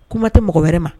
Kuma tɛ mɔgɔ wɛrɛ ma